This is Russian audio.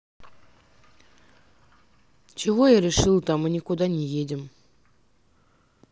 чего я решил там и никуда не едем